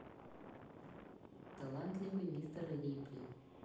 талантливый мистер рипли